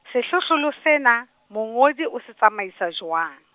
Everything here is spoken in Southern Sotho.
sehlohlolo sena, mongodi o se tsamaisa jwang.